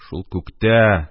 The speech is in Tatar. Шул күктә